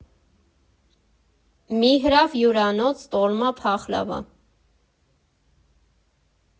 Միրհավ Հյուրանոց տոլմա, փախլավա։